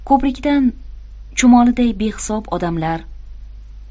ko'prikdan chumoliday behisob odamlar